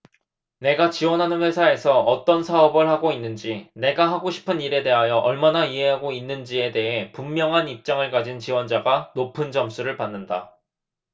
내가 지원하는 회사에서 어떤 사업을 하고 있는지 내가 하고 싶은 일에 대하여 얼마나 이해하고 있는지에 대해 분명한 입장을 가진 지원자가 높은 점수를 받는다